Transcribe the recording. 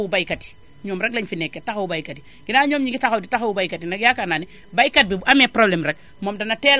pour taxawu baykat yi ñoom rekk lañu fi nekkee taxawu baykat yi